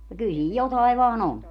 no kyllä siinä jotakin vain on